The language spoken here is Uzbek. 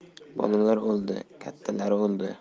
bolalar o'ldi kattalar o'ldi